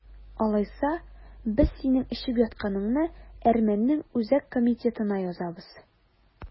Алайса, без синең эчеп ятканыңны әрмәннең үзәк комитетына язабыз!